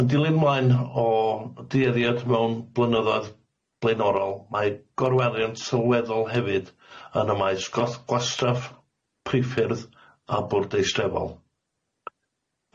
Yn dilyn mlaen o dueddiad mewn blynyddoedd blaenorol, mae gorweriant sylweddol hefyd yn y maes goth- gwastraff, priffyrdd, a bwrdeistrefol.